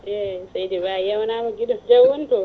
eyyi seydi Ba a yewnama guiɗo jaam woni toon